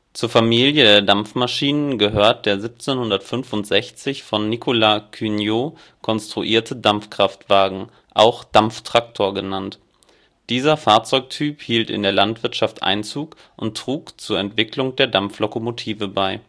Zur Familie der Dampfmaschinen gehört der 1765 von Nicholas Cugnot konstruierte Dampfkraftwagen, auch Dampftraktor genannt. Dieser Fahrzeugtyp hielt in der Landwirtschaft Einzug und trug zur Entwicklung der Dampflokomotive bei